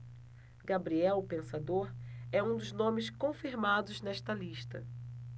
gabriel o pensador é um dos nomes confirmados nesta lista